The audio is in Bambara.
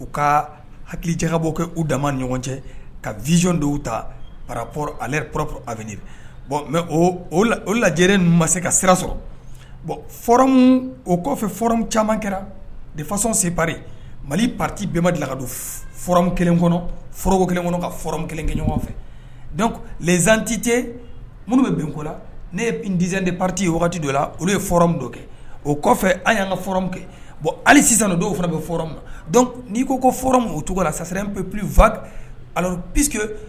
U ka hakilijaka bɔ kɛ cɛ ka vz ta ale mɛ lajɛ se ka o caman kɛra de fasɔn se mali patibbaka don kelen kɔnɔ f kelen kɔnɔ ka kelen kɛ ɲɔgɔn fɛ z tɛ ce minnu bɛko la ne ye diz de pati ye dɔ la olu ye kɛ o kɔfɛ an' ka kɛ bɔn hali sisan dɔw fana bɛ ma n'i ko ko f o cogo la sare pe ppfa pske